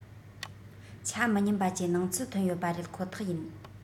ཆ མི མཉམ པ ཀྱི སྣང ཚུལ ཐོན ཡོད པ རེད ཁོ ཐག ཡིན